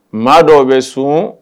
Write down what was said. Maa dɔw bɛ sun